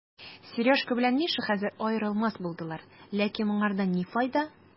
Сережка белән Миша хәзер аерылмас булдылар, ләкин моңардан ни файда?